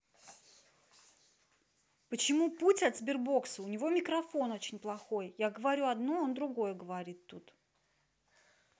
почему путь от сбербокса у него микрофон очень плохой я говорю одно он другое говорит тут